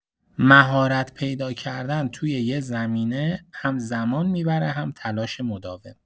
مهارت پیدا کردن توی یه زمینه، هم‌زمان می‌بره هم تلاش مداوم.